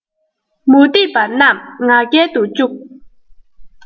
མུ སྟེགས པ རྣམས ང རྒྱལ དུ བཅུག